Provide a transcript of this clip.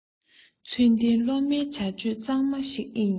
ཚུལ ལྡན སློབ མའི བྱ སྤྱོད གཙང མ ཞིག ཨེ ཡིན